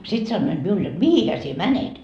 sitten sanoivat minulle jotta mihinhän sinä menet